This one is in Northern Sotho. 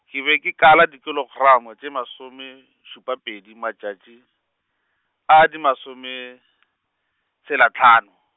ke be ke kala dikilogramo tše masomešupapedi matšatši, a di masometshelahlano.